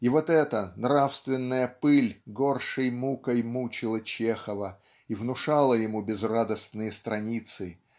и вот эта нравственная пыль горшей мукой мучила Чехова и внушала ему безрадостные страницы